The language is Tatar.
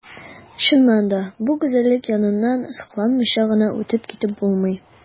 Чыннан да бу гүзәллек яныннан сокланмыйча гына үтеп китеп булмый.